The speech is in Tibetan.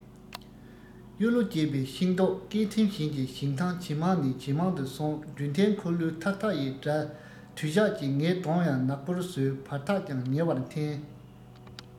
གཡོ ལོ རྒྱས པའི ཤིང ཏོག སྐེས ཐེམ བཞིན གྱི ཞིང ཐང ཇེ མང ནས ཇེ མང དུ སོང འདྲུད འཐེན འཁོར ལོའི ཐ ཐ ཡི སྒྲ དུ ཞགས ཀྱིས ངའི གདོང ཡང ནག པོར བཟོས བར ཐག ཀྱང ཉེ བར འཐེན